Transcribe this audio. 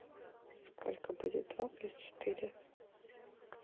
сколько будет два плюс четыре